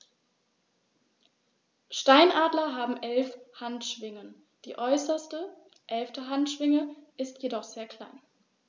Steinadler haben 11 Handschwingen, die äußerste (11.) Handschwinge ist jedoch sehr klein.